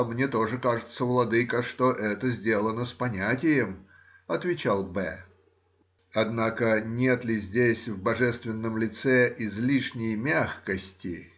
мне тоже кажется, владыко, что это сделано с понятием,— отвечал Б. — Однако нет ли здесь в божественном лице излишней мягкости?